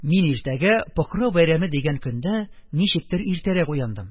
Мин иртәгә "Покрау" бәйрәме дигән көндә, ничектер, иртәрәк уяндым,